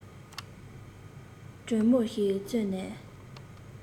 དྲོན མོ ཞིག བཙལ ནས